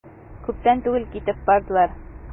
Күптән түгел китеп бардылар.